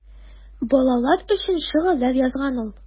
Балалар өчен шигырьләр язган ул.